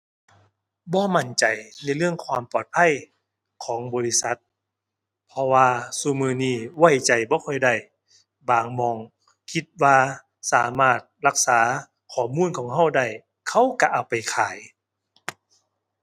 บ่มั่นใจในเรื่องความปลอดภัยของบริษัท เพราะว่าซุมื้อนี้ไว้ใจบ่ค่อยได้ บางหม้อง คิดว่าสามารถรักษาข้อมูลของเราได้ เขาเราเอาไปขาย